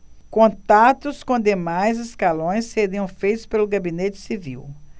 contatos com demais escalões seriam feitos pelo gabinete civil